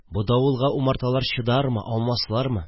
Бу давылга умарталар чыдармы, аумаслармы